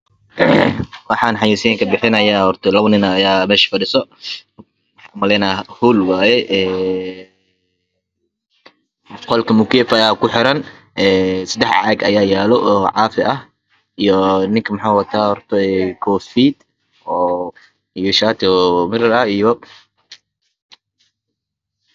Waxaan xayeesin ka bixinayaa ee laba nin ayaa mesha fadhisa hol waye qofka mukeef ayaa ku xiran sedax caag ayaa tala oo cafi ah iyoo ninka wuxuu wataa kofi iyo shati